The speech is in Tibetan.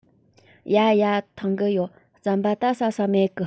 ཡ ཡ འཐུང གི ཡོད རྩམ པ ད ཟ ས མེད གི